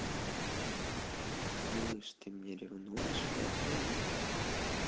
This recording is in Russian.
малыш ты меня ревнуешь да таня